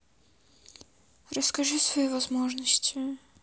расскажи свои возможности